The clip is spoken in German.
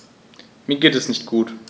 Mir geht es nicht gut.